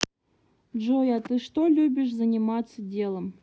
джой а ты что любишь заниматься делом